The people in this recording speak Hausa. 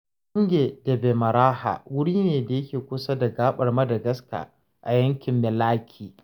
Tsingy de Bemaraha wuri ne da yake kusa da gaɓar Madagascar a yankin Melaky.